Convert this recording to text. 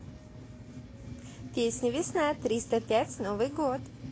песня весна триста пять новый год